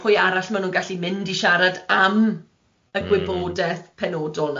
pwy arall ma' nhw'n gallu mynd i siarad am y gwybodeth penodol 'na